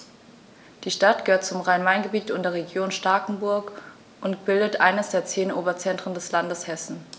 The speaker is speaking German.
Die Stadt gehört zum Rhein-Main-Gebiet und der Region Starkenburg und bildet eines der zehn Oberzentren des Landes Hessen.